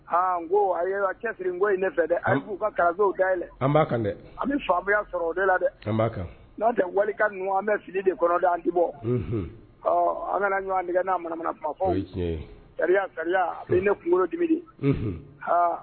N ko cɛ siri ko ye ne fɛ dɛ a k'u kaw da dɛ an bɛ faya sɔrɔ o de la dɛ n'an tɛ wali ninnu an bɛ fili de kɔnɔ an di bɔ ɔ an bɛna ɲɔgɔntigɛ n'a manamana kuma fɔ ne kunkolo dibi